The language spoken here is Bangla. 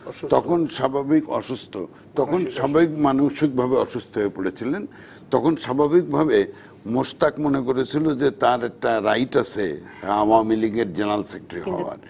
তখন স্বাভাবিক অসুস্থ তখন স্বাভাবিক মানসিকভাবে অসুস্থ হয়ে পড়েছিলেন তখন স্বাভাবিকভাবে মুস্তাক মনে করেছিল তার যে তার একটা রাইট আছে আওয়ামী লীগের জেনারেল সেক্রেটারি হওয়ার